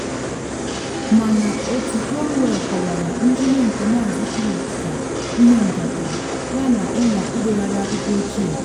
Mana Otu Cromwell kọwara ntụnye nke Maazị Crick ka ‘ihe njakịrị” yana “ịnwa ịdegharị akụkọ ochie.”